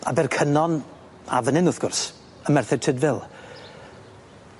Abercynon a fyn 'yn wrth gwrs. Ym Merthyr Tydfil.